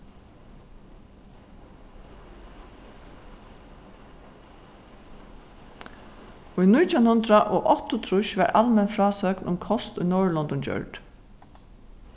í nítjan hundrað og áttaogtrýss varð almenn frásøgn um kost í norðurlondum gjørd